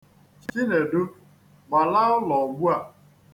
Chinedu, gbalaa ụlọ ugbua!